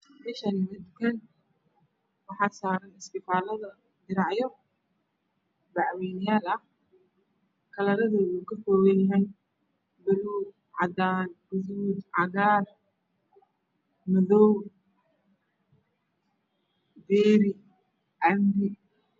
Meshaani waa dukaan waxaa saran iskafalda diracyo bac weayan yaal ah kalardoodu ka koban yihiin baluug cadan gaduud cagar madow beri cambo